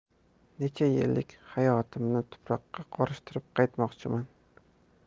necha yillik hayotimni tuproqqa qorishtirib qaytmoqchiman